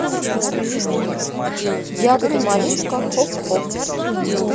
ягодка малинка хоп хоп